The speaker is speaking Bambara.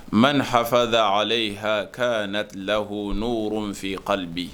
Ma nin hafa la ale ye ha hakɛ na la ko n'o woro min fɛ yen hali bi